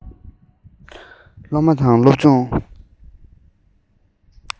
སློབ མ དང སློབ སྦྱོང